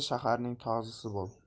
shaharning tozisi bo'l